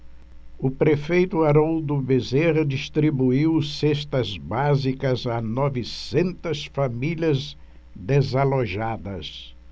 o prefeito haroldo bezerra distribuiu cestas básicas a novecentas famílias desalojadas